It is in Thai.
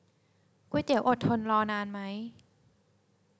ก๋วยเตี๋ยวอดทนรอนานไหม